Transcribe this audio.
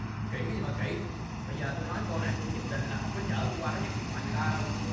kỹ cái gì mà kỹ bây giờ tôi nói cô này tôi nhất định là không có chở cô qua đó giật điện thoại người ta đâu